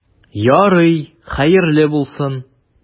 Ярый, хәерле булсын.